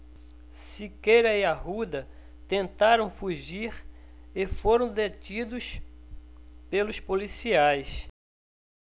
siqueira e arruda tentaram fugir e foram detidos pelos policiais